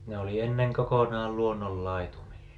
ne oli ennen kokonaan luonnonlaitumilla